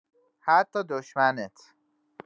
حتی دشمنت